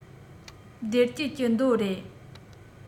བདེ སྐྱིད ཀྱི མདོ རེད